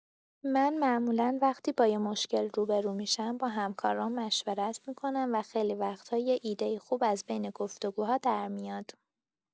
من معمولا وقتی با یه مشکل روبه‌رو می‌شم، با همکارام مشورت می‌کنم و خیلی وقت‌ها یه ایده خوب از بین گفت‌وگوها درمیاد.